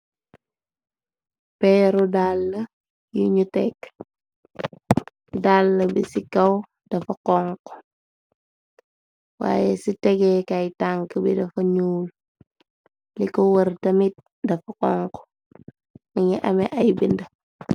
Peeru dàlla yu ñu tekk dàlla bi ci kaw dafa konku waye ci tegee kay tànk bi dafa ñyuul li ko wër damit dafa konku mangi amee ay bindi.